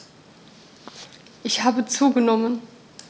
Ich habe zugenommen.